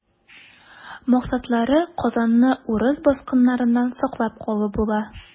Максатлары Казанны урыс баскыннарыннан саклап калу була.